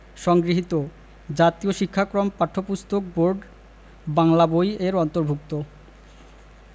সংগৃহীত জাতীয় শিক্ষাক্রম ও পাঠ্যপুস্তক বোর্ড বাংলা বই এর অন্তর্ভুক্ত